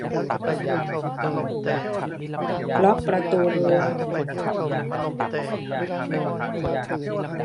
ล็อกประรั้ว